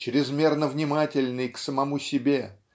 Чрезмерно внимательный к самому себе